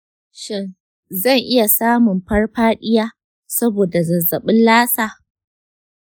shin zan iya samun farfaɗiya saboda zazzabin lassa?